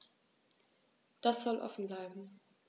Das soll offen bleiben.